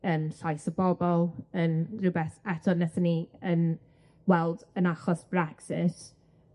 yym llais y bobol, yym rwbeth eto nethon ni yym weld yn achos Brexit.